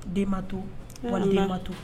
Den ma to; Ɛɛ Ala; wali den ma to